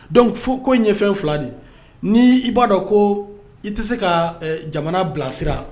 Dɔnku fo ko ye fɛn fila de n' i b'a dɔn ko i tɛ se ka jamana bilasira